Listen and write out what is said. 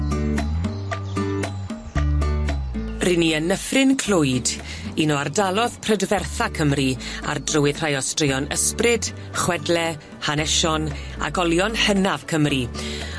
Ry' ni yn Nyffryn Clwyd un o ardalodd prydfertha Cymru ar drywydd rhai o straeon ysbryd, chwedle, hanesion, ag olion hynaf Cymru.